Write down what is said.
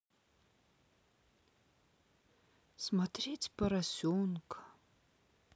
смотреть поросенка